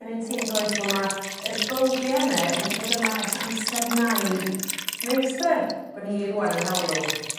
yn un ti yndoes? Wel ma' yr bylbie yne wedi bod yma ers amser nain, neis de? Bo' ni rŵan yn hel n'w.